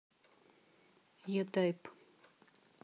e type